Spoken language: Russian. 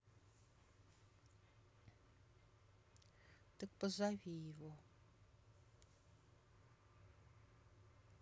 так позови его